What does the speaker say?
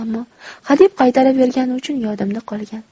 ammo hadeb qaytaravergani uchun yodimda qolgan